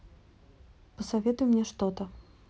посоветуй мне что то